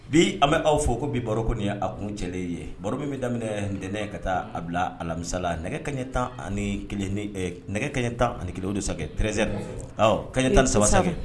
Bi an bɛ aw fɔ ko bi baro kɔni ye a kun cɛ ye baro min bɛ daminɛ ntɛnɛn ka taa a bila alamisala nɛgɛ kaɲɛ tan ani nɛgɛ kaɲɛ tan ani kelen desa preze kaɲɛ tan ni saba